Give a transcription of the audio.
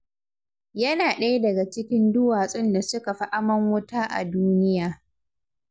Yana ɗaya daga cikin duwatsun da suka fi amon wuta a duniya.